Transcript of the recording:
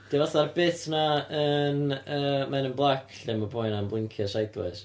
Ydi o fatha'r bit yna yn yy Men in Black lle ma' boi yna'n blincio sideways.